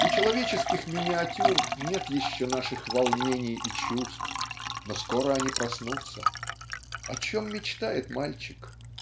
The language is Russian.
У человеческих миниатюр нет еще наших волнений и чувств но скоро они проснутся. О чем мечтает мальчик?